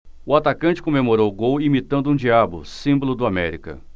o atacante comemorou o gol imitando um diabo símbolo do américa